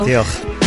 ...diolch.